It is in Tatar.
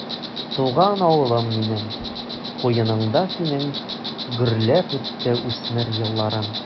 Туган авылым минем, куеныңда синең гөрләп үтте үсмер елларым.